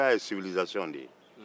somɔgɔya ye civilisation de ye